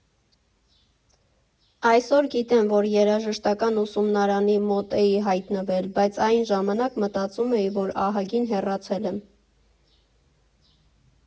Այսօր գիտեմ, որ երաժշտական ուսումնարանի մոտ էի հայտնվել, բաց այն ժամանակ մտածում էի, որ ահագին հեռացել եմ։